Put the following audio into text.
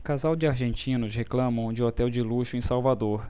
casal de argentinos reclama de hotel de luxo em salvador